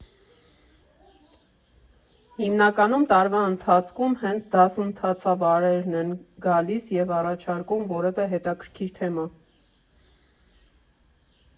Հիմնականում տարվա ընթացքում հենց դասընթացավարներն են գալիս և առաջարկում որևէ հետաքրքիր թեմա։